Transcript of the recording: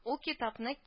Ул китапны